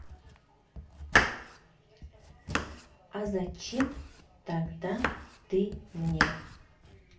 а зачем тогда ты мне